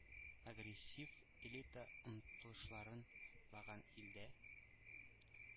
Агрессив элита омтылышларын хуплаган илдә